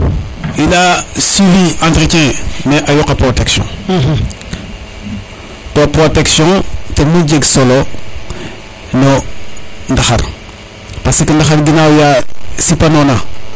i leya suivi entretien mais a yoqa protection to protection ten moƴ jeg solo no ndaxar parce que ndaxar ginaw ya sipa nona